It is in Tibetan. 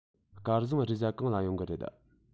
སྐལ བཟང རེས གཟའ གང ལ ཡོང གི རེད